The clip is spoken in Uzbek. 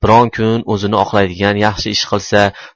biror kun o'zini oqlaydigan yaxshi ish qilsa